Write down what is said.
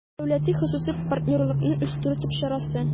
«дәүләти-хосусый партнерлыкны үстерү» төп чарасы